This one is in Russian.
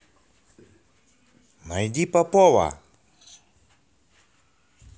найди попова